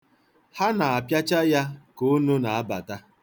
Ha na-apịacha ya ka unu na-abata.